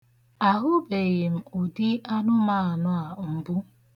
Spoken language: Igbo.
Ahụbeghị udi anụmaanụ a mbụ.